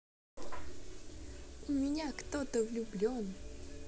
у меня кто то влюблен